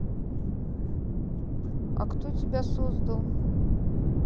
а кто тебя создал